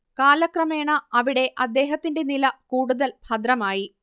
കാലക്രമേണ അവിടെ അദ്ദേഹത്തിന്റെ നില കൂടുതൽ ഭദ്രമായി